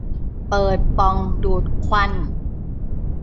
เปิดปล่องดูดควัน